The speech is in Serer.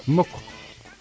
mukk